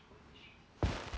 а ты моя слуга